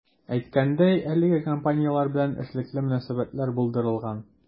Әйткәндәй, әлеге компанияләр белән эшлекле мөнәсәбәтләр булдырылган.